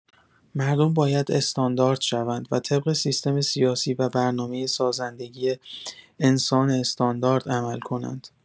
مردم باید استاندارد شوند و طبق سیستم سیاسی و برنامه سازندگی انسان استاندارد عمل کنند!